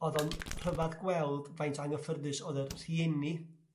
o'dd o'n rhyfadd gweld faint o anghyffyrddus o'dd y rhieni